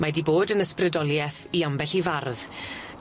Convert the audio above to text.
Mae 'di bod yn ysbrydolieth i ambell i fardd.